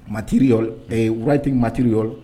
Ma tri wulati matiriri yɔrɔ